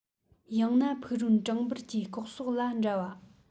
ཡང ན ཕུག རོན བྲང འབུར གྱི ལྐོག སོག ལ འདྲ བ